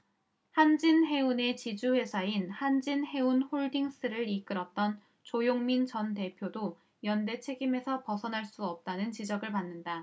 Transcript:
한진해운의 지주회사인 한진해운홀딩스를 이끌었던 조용민 전 대표도 연대 책임에서 벗어날 수 없다는 지적을 받는다